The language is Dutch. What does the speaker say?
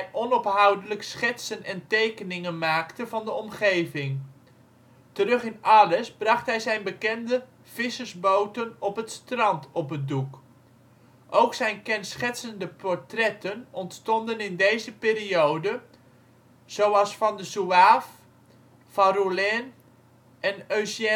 onophoudelijk schetsen en tekeningen maakte van de omgeving. Terug in Arles bracht hij zijn bekende " Vissersboten op het strand " op het doek. Ook zijn kenschetsende portretten ontstonden in deze periode, zoals van de zouaaf, van Roulin en Eugène